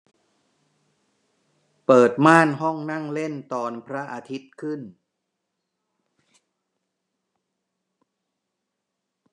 เปิดม่านห้องนั่งเล่นตอนพระอาทิตย์ขึ้น